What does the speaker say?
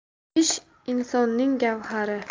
ish insonning gavhari